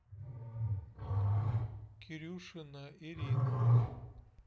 кирюшина ирина